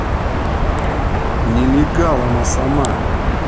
нелегал она сама